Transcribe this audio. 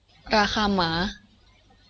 ราคาหมา